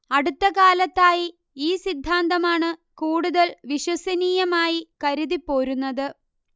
അടുത്ത കാലത്തായി ഈ സിദ്ധാന്തമാണ് കൂടുതൽ വിശ്വസനീയമായി കരുതിപ്പോരുന്നത്